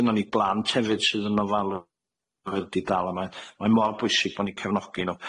gynnon ni blant hefyd sydd yn ofalwyr di-dal a mae mae mor bwysig bo' ni cefnogi n'w.